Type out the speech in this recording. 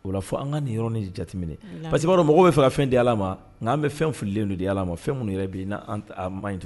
O la fɔ an ka ni yɔrɔnin jateminɛ n y'a mɛn parce que i b'a dɔn, mɔgɔw bɛ fɛ ka fɛn di Ala ma, nka an bɛ fɛn fililen di Ala ma, fɛn minnu yɛrɛ bɛ yen ni a maɲi ten.